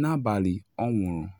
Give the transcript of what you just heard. n’abalị ọ nwụrụ.